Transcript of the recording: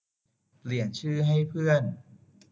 เปลี่ยนชื่อให้เพื่อน